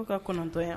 K'o ka kɔnɔntɔn yan